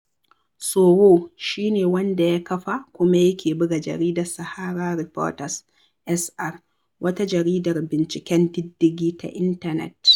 Sowore shi ne wanda ya kafa kuma yake buga jaridar SaharaReporters (SR) wata jaridar binciken diddigi ta intanet.